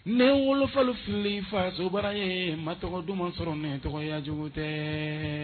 Ne n wolofalu fili fasobara ye ma tɔgɔ duman sɔrɔ ni tɔgɔya jugu tɛ!